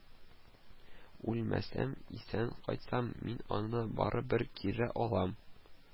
Үлмәсәм, исән кайтсам, мин аны барыбер кире алам